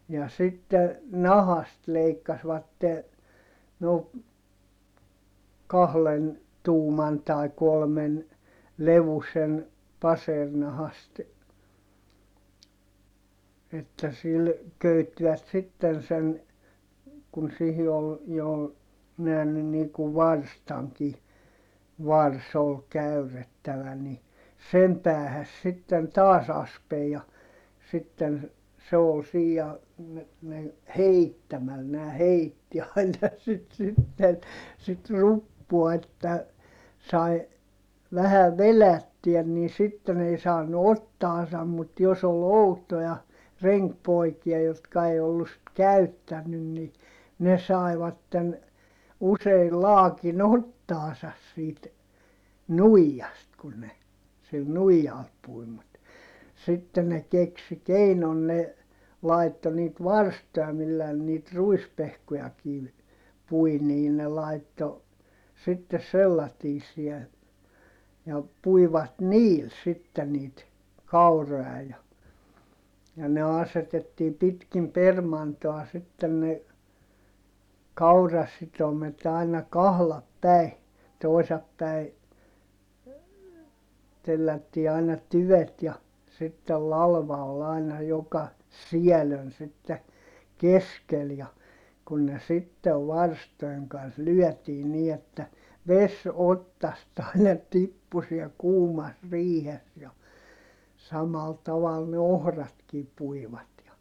ja sitten nahasta leikkasivat no kahden tuuman tai kolmen levyisen passeerinahasta että sillä köyttivät sitten sen kun siihen oli jo myöhemmin niin kuin varstankin varsi oli käyrrettävä niin sen päähän siten taas aspen ja sitten se oli siinä ja -- heittämällä nämä heitti aina sitä sitten sitä ruppua että sai vähän vedettyä niin sitten ei saanut otsaansa mutta jos oli outoja renkipoikia jotka ei ollut sitten käyttänyt niin ne saivat usein laakin otsaansa siitä nuijasta kun ne sillä nuijalla pui mutta sitten ne keksi keinon ne laittoi niitä varstoja millä ne niitä ruispehkujakin pui niin ne laittoi sitten sellaisia ja puivat niillä sitten niitä kauroja ja ja ne asetettiin pitkin permantoa sitten ne kaurasitomet aina kahda päin toisa päin tellättiin aina tyvet ja sitten latva oli aina joka siellä on sitten keskellä ja kun ne sitten varstojen kanssa lyötiin niin että vesi otsasta aina tippui siellä kuumassa riihessä ja samalla tavalla ne ohratkin puivat ja